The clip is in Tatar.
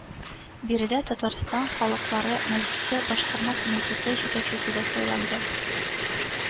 Биредә Татарстан Халыклары Мәҗлесе башкарма комитеты җитәкчесе дә сайланды